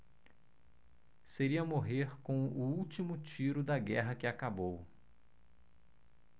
seria morrer com o último tiro da guerra que acabou